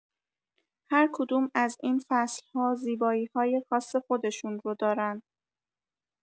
هر کدوم از این فصل‌ها زیبایی‌های خاص خودشون رو دارن.